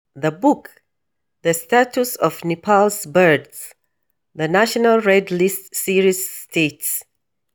The book The Status of Nepal’s Birds: The National Red List Series states: